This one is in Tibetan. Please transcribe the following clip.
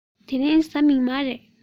དེ རིང གཟའ མིག དམར རེད